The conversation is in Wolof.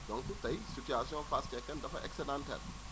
donc tey situation Fass Cekkeen dafa excedentaire